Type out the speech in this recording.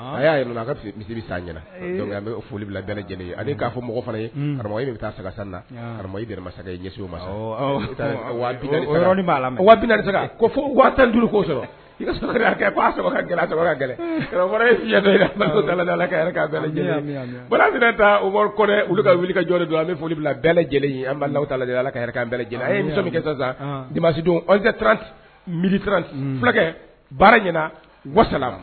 A y'a yɛlɛ a misisiriri san foli lajɛlen ale gafo fana ye de bɛ taa sa sa lamasa ɲɛ ma'a la tan duuru ko i saba taaɛ olu ka wuli ka joli don an bɛ foli bila bɛɛ lajɛlen anla ala an lajɛlen kɛ sa disidon miran fulakɛ baara ɲɛna wasala